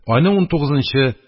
Айның унтугызынчы,